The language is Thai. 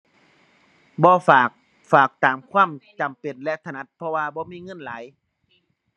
บ่ฝาก ฝากตามความจำเป็นและถนัด เพราะว่าบ่มีเงินหลาย